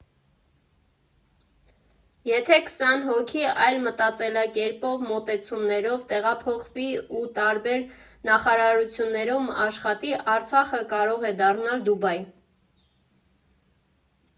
Եթե քսան հոգի այլ մտածելակերպով, մոտեցումներով տեղափոխվի ու տարբեր նախարարություններում աշխատի, Արցախը կարող է դառնալ Դուբայ։